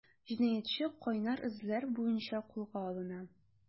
Җинаятьче “кайнар эзләр” буенча кулга алына.